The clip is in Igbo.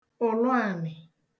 ụ̀lụànị